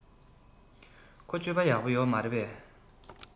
ཁོ སྤྱོད པ ཡག པོ ཡོད མ རེད པས